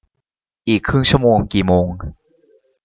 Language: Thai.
อีกครึ่งชั่วโมงกี่โมง